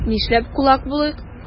Нишләп кулак булыйк?